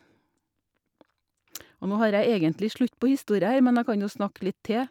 Og nå har jeg egentlig slutt på historia her, men jeg kan jo snakke litt til.